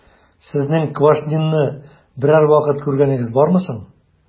Сезнең Квашнинны берәр вакыт күргәнегез бармы соң?